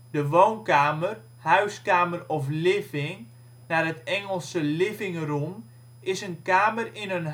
De woonkamer, huiskamer of living (naar het Engelse living room) is een kamer in